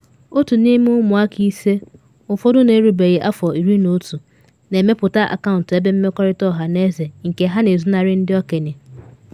Otu n’ime ụmụaka ise - ụfọdụ na erubeghị afọ 11 - na emepụta akaụntụ ebe mmerịkọta ọhaneze nke ha na ezonarị ndị okenye.